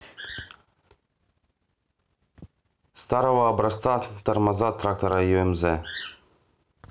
старого образца тормоза трактора юмз